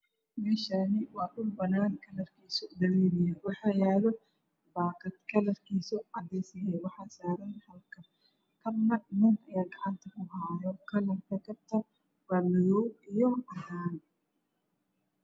Meeshaan waa dhul banaan ah kalarkiisu waa dameeri waxaa yaalo baakad cadaan ah waxaa saaran hal kab kabna nin ayaa gacanta kuhaayo.